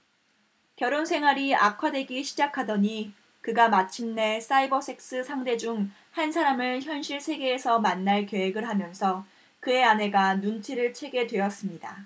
결혼 생활이 악화되기 시작하더니 그가 마침내 사이버섹스 상대 중 한 사람을 현실 세계에서 만날 계획을 하면서 그의 아내가 눈치를 채게 되었습니다